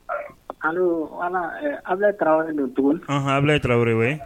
Allo wala, Abilaye Tarawele, don tuguni a Tarawele, unhun, Ablaye Tarawele